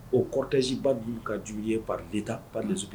O kɔrɔtɛ ziba dun ka juguya ye pali da pan des